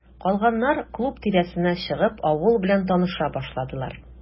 Калганнар, клуб тирәсенә чыгып, авыл белән таныша башладылар.